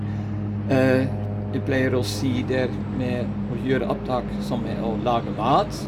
Jeg pleier å si det er med å gjøre opptak som med å lage mat.